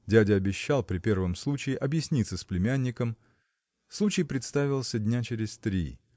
Дядя обещал при первом случае объясниться с племянником. Случай представился дня через три.